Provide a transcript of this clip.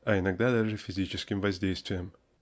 а иногда даже физическим воздействием.